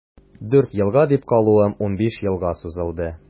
Дүрт елга дип калуым унбиш елга сузылды.